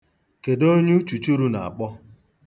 Kedụ onye uchùchurū na-akpọ?